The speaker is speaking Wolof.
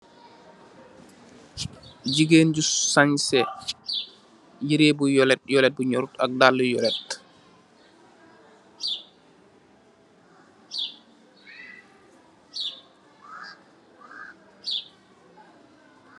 Gigeen ju sanseh yirèh bu yolet, yolet bu ñorut ak dalli yolet.